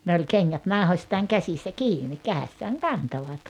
ne oli kengät nauhoistaan käsissä kiinni kädessään kantoivat